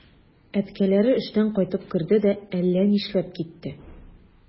Әткәләре эштән кайтып керде дә әллә нишләп китте.